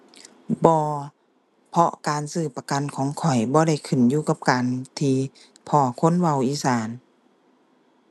บ่ เพราะการซื้อประกันของข้อยบ่ได้ขึ้นอยู่กับการที่พ้อคนเว้าอีสาน